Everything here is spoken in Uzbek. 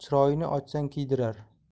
chiroyini ochsang kiydirar